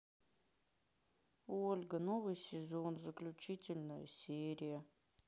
ольга новый сезон заключительная серия